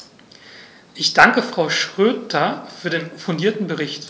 Ich danke Frau Schroedter für den fundierten Bericht.